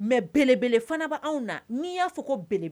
Mɛ belebele fana b' anwanw na n'i y'a fɔ ko bele